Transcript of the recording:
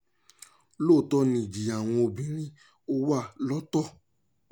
Lóòótọ́ ni ìjìyà àwọn obìnrin, ó wà lóòótọ́.